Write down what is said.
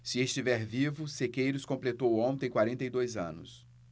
se estiver vivo sequeiros completou ontem quarenta e dois anos